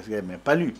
Parce que mais, palu